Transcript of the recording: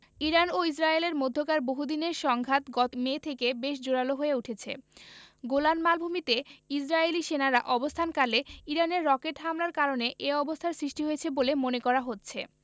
Iran ও ইসরায়েলের মধ্যকার বহুদিনের সংঘাত গত মে থেকে বেশ জোরালো হয়ে উঠেছে গোলান মালভূমিতে ইসরায়েলি সেনারা অবস্থানকালে ইরানের রকেট হামলার কারণে এ অবস্থার সৃষ্টি হয়েছে বলে মনে করা হচ্ছে